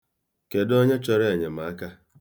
Kedụ onye chọrọ enyemaka?